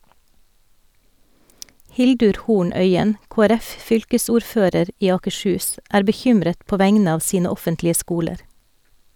Hildur Horn Øien, KrF-fylkesordfører i Akershus, er bekymret på vegne av sine offentlige skoler.